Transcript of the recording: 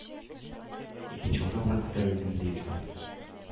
Икенче урынга күтәрелдем, – ди илфат.